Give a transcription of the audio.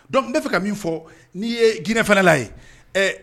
Dɔnku n bɛa fɛ ka min fɔ n'i ye ginɛfɛla ye